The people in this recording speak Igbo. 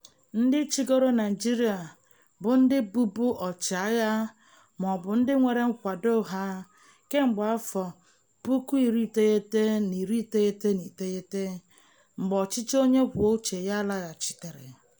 Ndị chịgoro Naịjirịa bụ ndị bụbu ọchịagha ma ọ bụ ndị nwere nkwado ha kemgbe 1999 mgbe ọchịchị onye kwuo uche ya laghachitere.